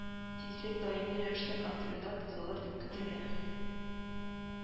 Тизлек даими рәвештә контрольдә тотылыр дип көтелә